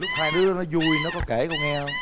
lúc hai đứa nó dui nó có kể cô nghe không